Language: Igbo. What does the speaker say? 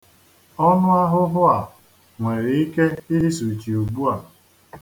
Ọnụ ahụhụ a nwere ike isụchi ugbua.